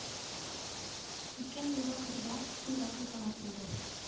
Үткән елда корда күп вакыйгалар булды